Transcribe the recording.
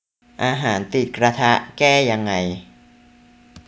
อาหารติดกระทะแก้ยังไง